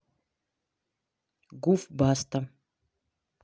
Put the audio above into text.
гуф баста